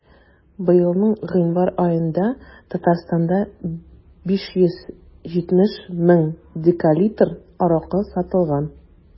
Быелның гыйнвар аенда Татарстанда 570 мең декалитр аракы сатылган.